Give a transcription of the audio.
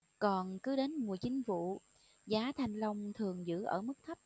còn cứ đến mùa chính vụ giá thanh long thường giữ ở mức thấp